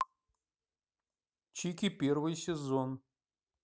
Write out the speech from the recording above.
чики первый сезон